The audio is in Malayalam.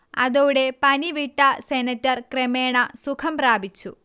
അതോടെ പനിവിട്ട സെനറ്റർ ക്രമേണ സുഖം പ്രാപിച്ചു